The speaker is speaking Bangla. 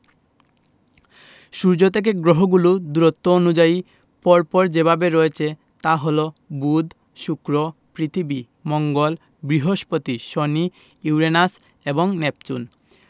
সূর্য থেকে গ্রহগুলো দূরত্ব অনুযায়ী পর পর যেভাবে রয়েছে তা হলো বুধ শুক্র পৃথিবী মঙ্গল বৃহস্পতি শনি ইউরেনাস এবং নেপচুন